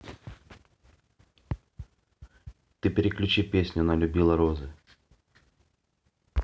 ты переключи песню она любила розы